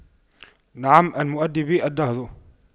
نعم المؤَدِّبُ الدهر